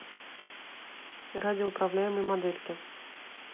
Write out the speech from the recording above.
радиоуправляемые модельки